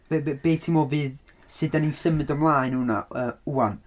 B- B- Be ti'n meddwl fydd... sut dan ni'n symud ymlaen o hwnna yy 'wan.